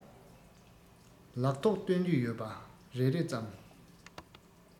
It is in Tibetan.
ལག ཐོག སྟོན རྒྱུ ཡོད པ རེ རེ ཙམ